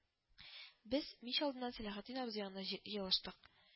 Без мич алдыннан Сәләхетдин абзый янына җый елыштык